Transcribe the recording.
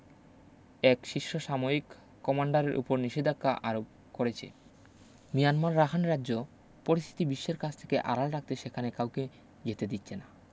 এক শীর্ষ সাময়িক কমান্ডারের ওপর নিষেধাজ্ঞা আরোপ করেছে মিয়ানমার রাখাইন রাজ্য পরিস্থিতি বিশ্বের কাছ থেকে আড়াল রাখতে সেখানে কাউকে যেতে দিচ্ছে না